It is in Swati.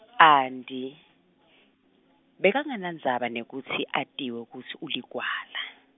Andy, Bekangenandzaba nekutsi atiwe kutsi uligwala.